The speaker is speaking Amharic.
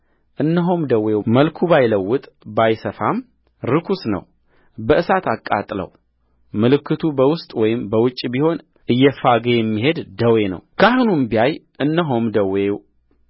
እነሆም ደዌው መልኩን ባይለውጥ ባይሰፋም ርኩስ ነው በእሳት አቃጥለው ምልክቱ በውስጥ ወይም በውጭ ቢሆን እየፋገ የሚሄድ ደዌ ነውካህኑም ቢያይ እነሆም ደዌው